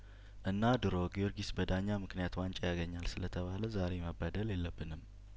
እና ድሮ ጊዮርጊስ በዳኛ ምክንያት ዋንጫ ያገኛል ስለተባለ ዛሬ መበደል የለብንም